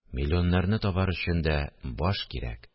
– миллионнарны табар өчен дә баш кирәк